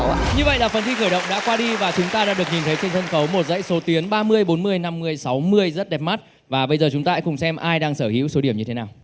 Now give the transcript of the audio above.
như vậy là phần thi khởi động đã qua đi và chúng ta đã được nhìn thấy trên sân khấu một dãy số tiến ba mươi bốn mươi năm mươi sáu mươi rất đẹp mắt và bây giờ chúng ta hãy cùng xem ai đang sở hữu số điểm như thế nào